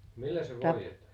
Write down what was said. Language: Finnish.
millä se voidetaan